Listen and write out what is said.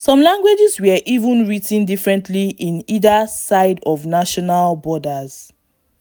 Some languages were even written differently on either side of national borders.